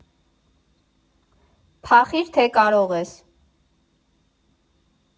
Փախիր թե կարող ես։